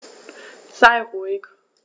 Sei ruhig.